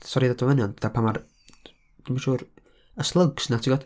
Sori i ddod a fo fyny ond fatha, pan ma'r, dw'm yn siŵr, y slygs 'na, tibod?